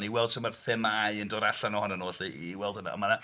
I weld sut mae'r themâu yn dod allan ohonyn nhw 'lly i weld hynna ond mae 'na...